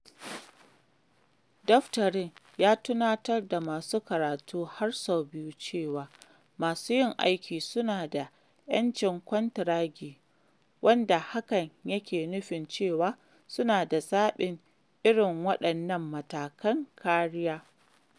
Daftarin ya tunatar da masu karatu har sau biyu cewa, masu yin aikin suna da '''Yancin kwantiragi'', wanda hakan yake nufin cewa, suna da zaɓin irin waɗannan matakan kariyar.